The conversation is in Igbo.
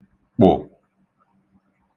kpụ̀